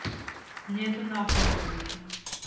мне это нахуй не нужно